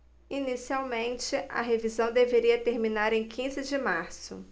inicialmente a revisão deveria terminar em quinze de março